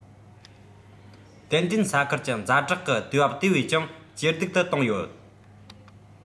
ཏན ཏན ས ཁུལ གྱི ཛ དྲག གི དུས བབ དེ བས ཀྱང ཇེ སྡུག ཏུ བཏང ཡོད